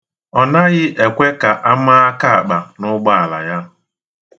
Ọ naghị ekwe ka a maa akaakpa n'ụgboala ya.